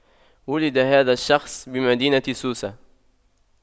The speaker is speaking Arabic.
ولد هذا الشخص بمدينة سوسة